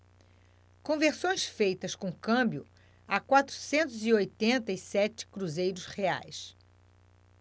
conversões feitas com câmbio a quatrocentos e oitenta e sete cruzeiros reais